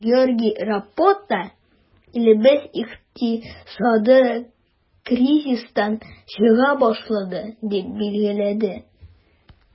Григорий Рапота, илебез икътисады кризистан чыга башлады, дип билгеләде.